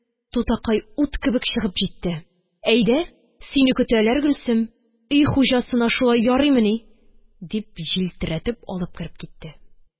Тутакай ут кебек чыгып җитте. – әйдә, сине көтәләр, гөлсем, өй хуҗасына шулай ярыймыни? – дип җилтерәтеп алып кереп китте.